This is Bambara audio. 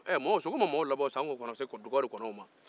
ɛɛ sogo ma mɔgɔw labɔ san koka na se duga ni kɔnɔw ma